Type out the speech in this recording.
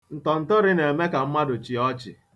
Ntọntọrị na-eme ka mmadụ chịa ọchị.